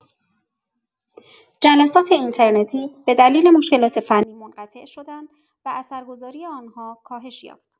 جلسات اینترنتی به دلیل مشکلات فنی منقطع شدند و اثرگذاری آن‌ها کاهش یافت.